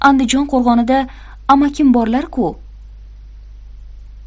andijon qo'rg'onida amakim borlar ku